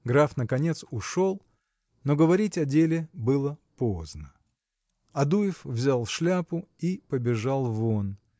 Граф наконец ушел, но говорить о деле было поздно. Адуев взял шляпу и побежал вон.